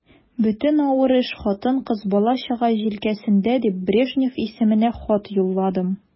Бөтен авыр эш хатын-кыз, бала-чага җилкәсендә дип, Брежнев исеменә хат юлладым.